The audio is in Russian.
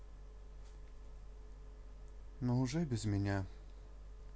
но уже без меня